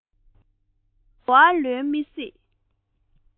མོས གོ བ ལོན མི སྲིད